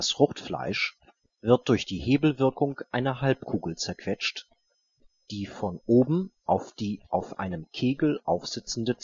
Fruchtfleisch wird durch die Hebelwirkung einer Halbkugel zerquetscht, die von oben auf die auf einem Kegel aufsitzende